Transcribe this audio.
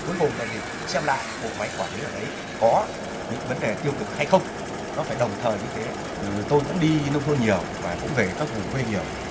cuối cùng là gì xem lại bộ máy quản lý ở đấy có những vấn đề tiêu cực hay không nó phải đồng thời như thế ừ tôi cũng đi nông thôn nhiều mà cũng về các vùng quê nhiều